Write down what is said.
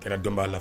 Kɛra dɔn b'a la